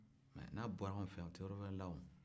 mais n'a bɔra an fɛ yan o tɛ yɔrɔ wɛrɛ la